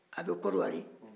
a bɛ kɔnawari